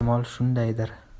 ehtimol shundaydir